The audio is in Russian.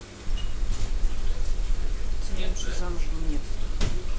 ты лучше замужем нет